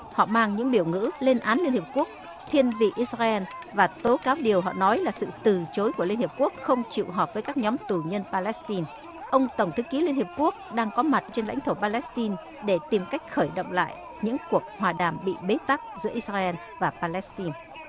họ mang những biểu ngữ lên án liên hiệp quốc thiên vị ích xa ren và tố cáo điều họ nói là sự từ chối của liên hiệp quốc không chịu họp với các nhóm tù nhân pa lét tin ông tổng thư ký liên hiệp quốc đang có mặt trên lãnh thổ pa lét tin để tìm cách khởi động lại những cuộc hòa đàm bị bế tắc giữa ích xa ren và pa lét tin